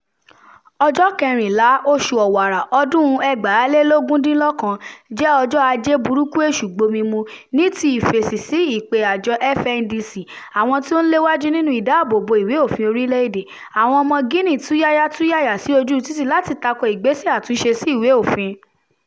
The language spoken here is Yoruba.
Ọjọ́ 14 oṣù Ọ̀wàrà ọdún-un 2019 jẹ́ ọjọ́ Ajé burúkú Èṣù gbomi mu, ní ti ìfèsì sí ìpè àjọ FNDC [Àwọn tí ó ń lé wájú ń'nú Ìdáàbò bo Ìwé-òfin Orílẹ̀-èdè], àwọn ọmọ Guinea tú yáyá tú yàyà sí ojúu títì láti tako ìgbésẹ̀ àtúnṣe sí ìwé-òfin.